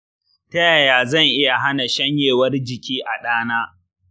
ta yaya zan iya hana shanyewar jiki a ɗana?